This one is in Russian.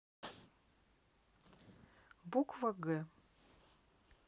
буква г